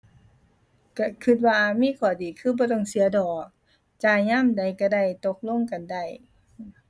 ก็ก็ว่ามีข้อดีคือบ่ต้องเสียดอก จ่ายยามใดก็ได้ ตกลงกันได้